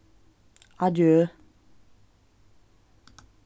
adjø